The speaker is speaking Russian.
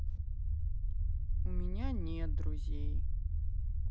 у меня нет друзей